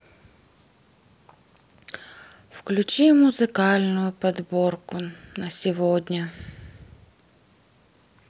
включи музыкальную подборку на сегодня